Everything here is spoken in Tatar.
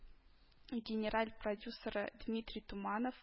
Генераль продюсеры дмитрий туманов